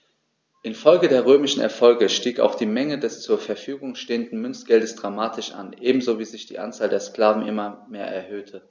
Infolge der römischen Erfolge stieg auch die Menge des zur Verfügung stehenden Münzgeldes dramatisch an, ebenso wie sich die Anzahl der Sklaven immer mehr erhöhte.